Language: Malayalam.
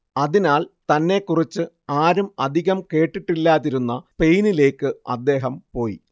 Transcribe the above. അതിനാൽ തന്നെക്കുറിച്ച് ആരും അധികം കേട്ടിട്ടില്ലാതിരുന്ന സ്പെയിനിലേയ്ക്ക് അദ്ദേഹം പോയി